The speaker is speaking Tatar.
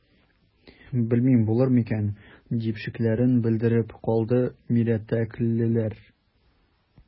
Белмим, булыр микән,– дип шикләрен белдереп калды мирәтәклеләр.